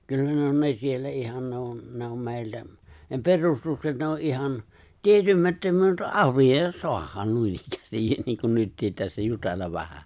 kyllä ne on ne siellä ihan ne on ne on meiltä ne perustukset ne on ihan tietämättä mutta arvioida saadaan noinikään niin kuin nytkin tässä jutella vähän